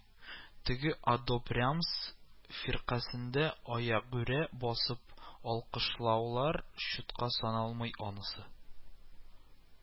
Теге Одобрямс фиркасендә аягүрә басып алкышлаулар чутка саналмый, анысы